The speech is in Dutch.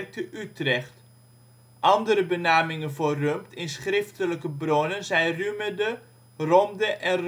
te Utrecht. Andere benamingen voor Rumpt in schriftelijke bronnen zijn Rumede, Romde en